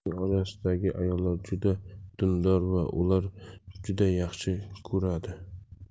uning oilasidagi ayollar juda dindor va u ularni juda yaxshi ko'radi